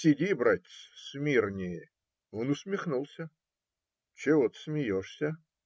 - Сиди, братец, смирнее! Он усмехнулся. - Чего ты смеешься?